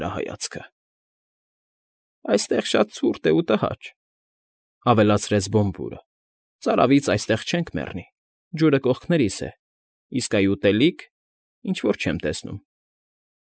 Նրա հայացքը։ ֊ Այստեղ շատ ցուրտ է ու տհաճ,֊ ավելարցրեց Բոմբուրը։֊ Ծարավից այստեղ չենք մեռնի՝ ջուրը կողքներիս է, իսկ այ, ուտելիք, ինչ֊որ չեմ տեսնում։